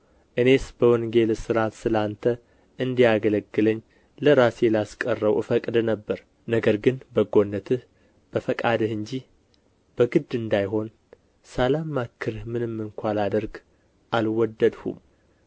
እኔስ በወንጌል እስራት ስለ አንተ እንዲያገለግለኝ ለራሴ ላስቀረው እፈቅድ ነበር ነገር ግን በጎነትህ በፈቃድህ እንጂ በግድ እንዳይሆን ሳልማከርህ ምንም እንኳ ላደርግ አልወደድሁም